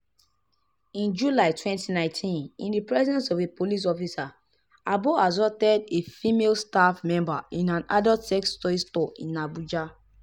In July 2019, in the presence of a police officer, Abbo assaulted a female staff member in an adult sex toy store in Abuja.